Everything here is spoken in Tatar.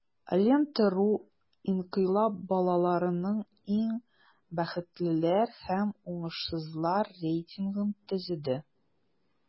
"лента.ру" инкыйлаб балаларының иң бәхетлеләр һәм уңышсызлар рейтингын төзеде.